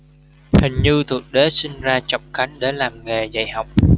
hình như thượng đế sinh ra trọng khánh để làm nghề dạy học